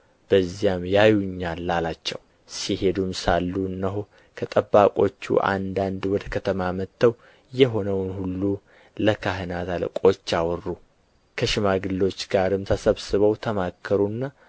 በዚያም ያዩኛል አላቸው ሲሄዱም ሳሉ እነሆ ከጠባቆቹ አንዳንድ ወደ ከተማ መጥተው የሆነውን ሁሉ ለካህናት አለቆች አወሩ ከሽማግሎች ጋርም ተሰብስበው ተማከሩና